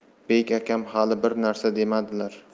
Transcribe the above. bek akam hali bir narsa demadilar